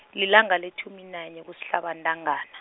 lilanga letjhumi nanye kusihlaba intangana.